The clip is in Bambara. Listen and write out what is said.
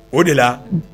O de la